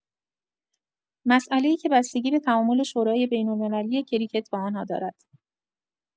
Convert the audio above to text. مسئله‌ای که بستگی به تعامل شورای بین‌المللی کریکت با آن‌ها دارد.